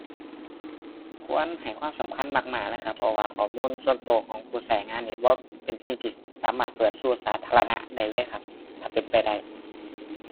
ควรให้ความสำคัญมากมากเลยครับ เพราะว่าข้อมูลส่วนตัวของผู้ตัวงานนี่บ่เป็นสิ่งที่สามารถเปิดสู่สาธารณะได้เลยครับ ถ้าเป็นไปได้